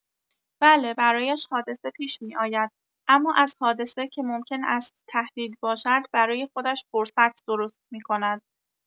بله برایش حادثه پیش می‌آید، اما از حادثه که ممکن است تهدید باشد برای خودش فرصت درست می‌کند.